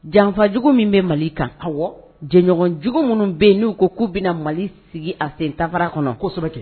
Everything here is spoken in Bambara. Janfajugu min bɛ mali kan janɲɔgɔnjugu minnu bɛ yen n'u ko k'u bɛna mali sigi a sentara kɔnɔ ko kosɛbɛ